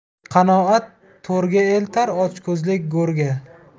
qanoat to'rga eltar ochko'zlik go'rga